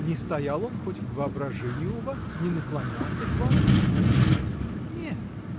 — Не стоял он хоть в воображении у вас, не наклонялся к вам?. — Нет, нет.